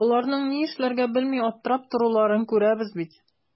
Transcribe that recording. Боларның ни эшләргә белми аптырап торуларын күрәбез бит.